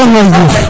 jam soom waay Diouf